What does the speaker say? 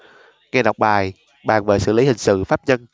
nghe đọc bài bàn về xử lý hình sự pháp nhân